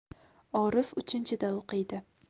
orif uchinchida o'qiydi